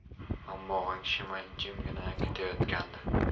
ammo g'ingshimay jimgina kelayotgandi